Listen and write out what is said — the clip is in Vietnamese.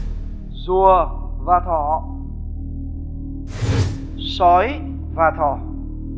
rùa và thỏ sói và thỏ